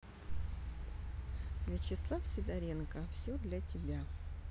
вячеслав сидоренко все для тебя